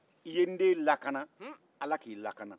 i ye n den lakana ala k'i lakana